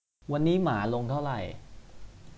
วันนี้หมาลงเท่าไหร่